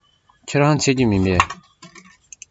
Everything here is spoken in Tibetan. ཁྱོད རང མཆོད ཀྱི མིན པས